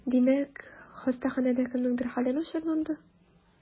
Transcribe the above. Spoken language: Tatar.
Димәк, хастаханәдә кемнеңдер хәле начарланды?